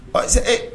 Parce ayi que eee